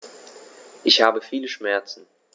Ich habe viele Schmerzen.